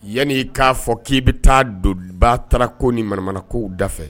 Yani i k'a fɔ k'i bɛ taa don baataarako ni maramana kow da fɛ